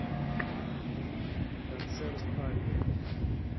концерт арии